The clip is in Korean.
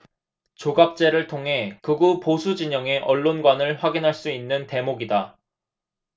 조갑제를 통해 극우보수진영의 언론관을 확인할 수 있는 대목이다